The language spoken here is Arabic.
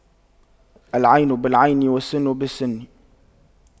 العين بالعين والسن بالسن